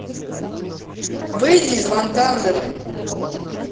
выйди из вантандер